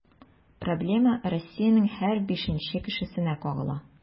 Проблема Россиянең һәр бишенче кешесенә кагыла.